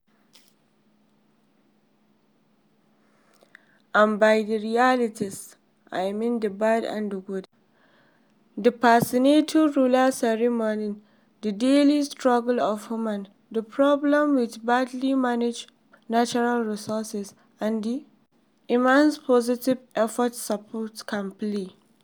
And by realities I mean the good and the bad: the fascinating rural ceremonies, the daily struggles of women, the problems with badly managed natural resources, and the immense positive effect sport can play.